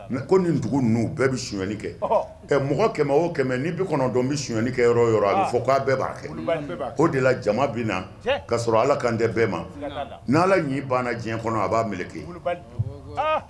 Mais ko nin dugu ninnu bɛɛ bɛ sonyali kɛ mɔgɔ kɛmɛ o kɛmɛ ni bi kɔnɔntɔ bɛ sonyali kɛ yɔrɔ o yɔrɔ a bɛ fɔ k'a bɛɛ b'a kɛ, o de jama bɛ na kasɔrɔ Ala kan tɛ bɛɛ ma, nAla ɲi banna diɲɛ kɔnɔ a b'a meleke